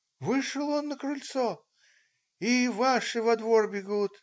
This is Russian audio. вышел он на крыльцо, и ваши во двор бегут.